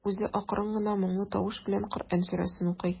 Үзе акрын гына, моңлы тавыш белән Коръән сүрәсен укый.